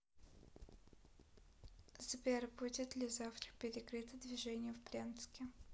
сбер будет ли завтра перекрыто движение в брянске